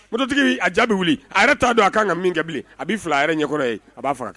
Moto tigi a ja bɛ wuli a yɛrɛ t'a dɔn a kan ka min kɛ bilen, a b'i fil'a yɛrɛ ɲɛkɔrɔ yen a b'a faga.